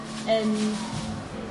yn